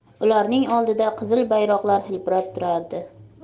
ularning oldida qizil bayroqlar hilpirab turardi